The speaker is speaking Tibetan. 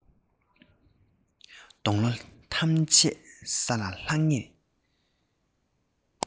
སྡོང ལོ ཐམས ཅད ས ལ ལྷུང རྗེས